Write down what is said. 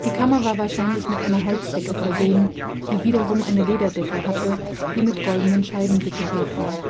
Kammer war wahrscheinlich mit einer Holzdecke versehen, die wiederum eine Lederdecke hatte, die mit goldenen Scheiben dekoriert war